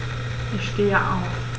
Ich stehe auf.